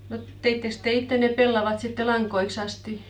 no teittekös te itse ne pellavat sitten langoiksi asti